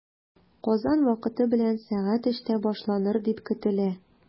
Казан вакыты белән сәгать өчтә башланыр дип көтелә.